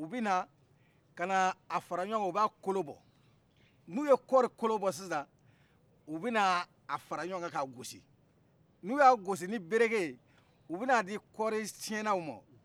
u bɛ na kan'a fara ɲɔgɔnka u ba kolobɔ n'u ye kɔri kolobɔ sisan u bɛ n'a fara ɲɔgɔnka ka gosi n'u ya gosi ni bereke ye u bɛ na di kɔri siyennaw ma